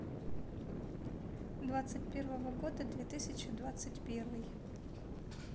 двадцать первого года две тысячи двадцать первый